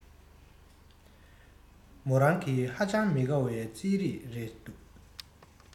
མོ རང གི ཧ ཅང མི དགའ བའི རྩིས རིགས རེད འདུག